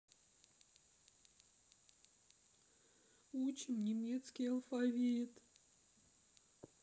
учим немецкий алфавит